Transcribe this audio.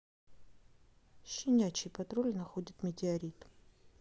щенячий патруль находит метеорит